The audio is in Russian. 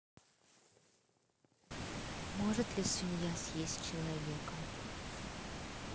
может ли свинья съесть человека